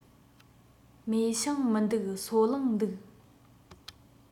མེ ཤིང མི འདུག སོལ རླངས འདུག